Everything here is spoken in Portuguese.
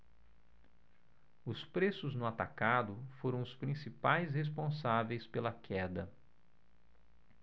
os preços no atacado foram os principais responsáveis pela queda